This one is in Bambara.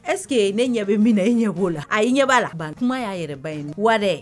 Ɛsseke ne ɲɛ bɛ min i ɲɛ b'o la a ɲɛ b'a labanban kuma y'a yɛrɛ ba in wa